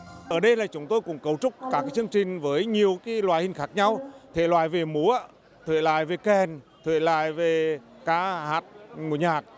ở đây là chúng tôi cùng cấu trúc các chương trình với nhiều loại hình khác nhau thể loại về múa thể loại về kèn thể loại về ca hát múa nhạc